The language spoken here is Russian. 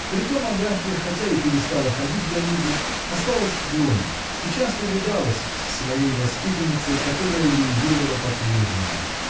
Притом Агафья, хотя и перестала ходить за Лизой, осталась в доме и часто видалась с своей воспитанницей, которая ей верила по-прежнему.